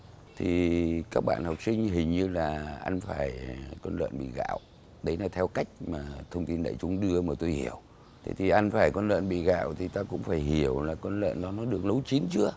thì các bạn học sinh hình như là ăn phải có lợn bị gạo đấy là theo cách mà thông tin đại chúng đưa mà tôi hiểu thế thì ăn phải con lợn bị gạo thì ta cũng phải hiểu là con lợn đó nó được nấu chín chưa